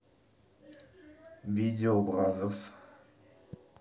видео бразерс